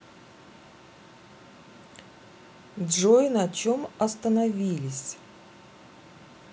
джой на чем остановились